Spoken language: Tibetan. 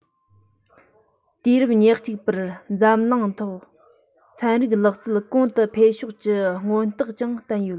དུས རབས ཉེར གཅིག པར འཛམ གླིང ཐོག ཚན རིག ལག རྩལ གོང དུ འཕེལ ཕྱོགས ཀྱི སྔོན རྟགས ཀྱང བསྟན ཡོད